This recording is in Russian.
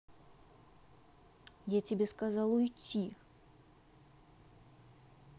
я тебе сказал уйти